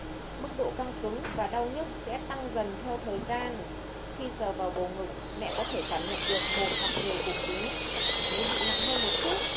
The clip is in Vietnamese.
mức độ căng cứng và đau nhức sẽ tăng dần theo thời gian khi sờ vào bầu ngực mẹ có thể cảm nhận được hoặc nhiều cục cứng nếu bị nặng hơn một chút